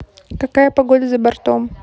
какая погода за бортом